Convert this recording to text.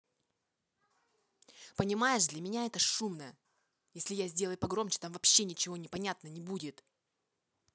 понимаешь для меня это шумно если я сделай погромче там вообще ничего не понятно не будет